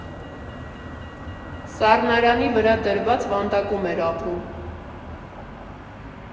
Սառնարանի վրա դրված վանդակում էր ապրում։